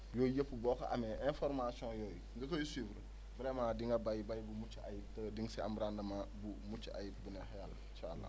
yooyu yëpp boo ko amee information yooyu nga koy suivre vraiment di nga bay bay bu mucc ayib di nga si am rendement bu mucc ayib bu neexee yàlla incha allah